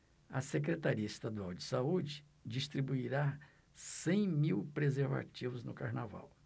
a secretaria estadual de saúde distribuirá cem mil preservativos no carnaval